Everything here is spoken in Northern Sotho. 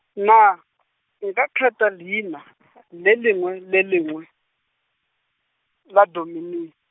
nna, nka kgetha leina , le lengwe le lengwe, la Dominee.